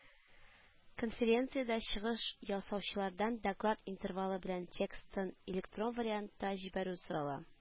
Конференциядә чыгыш ясаучылардан доклад интервалы белән текстын электрон вариантта җибәрү сорала